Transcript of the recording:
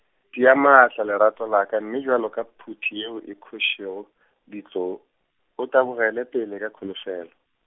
tia maatla lerato la ka mme bjalo ka phuti yeo e khošego ditloo, o tabogele pele ka kholofelo.